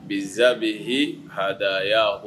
Bi za bɛ h hadaya